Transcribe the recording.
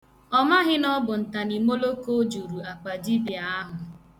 Ọ maghị na ọ bụ ntaniimoloko juru akpa dibịa ahụ.